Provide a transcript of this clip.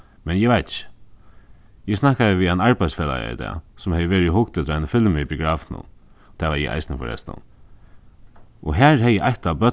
men eg veit ikki eg snakkaði við ein arbeiðsfelaga í dag sum hevði verið og hugt eftir einum filmi í biografinum tað var eg eisini forrestin og har hevði eitt av